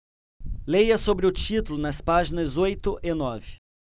leia sobre o título nas páginas oito e nove